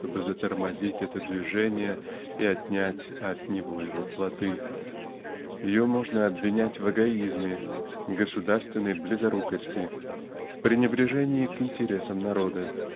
чтобы затормозить это движение и отнять от него его плоды. Ее можно обвинять в эгоизме государственной близорукости в пренебрежении к интересам народа